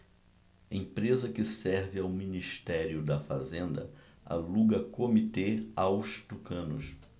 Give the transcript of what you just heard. empresa que serve ao ministério da fazenda aluga comitê aos tucanos